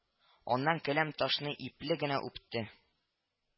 Аннан келәм-ташны ипле генә үпте